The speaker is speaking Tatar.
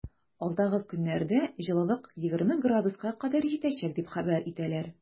Алдагы көннәрдә җылылык 20 градуска кадәр җитәчәк дип хәбәр итәләр.